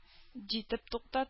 Җитеп туктатты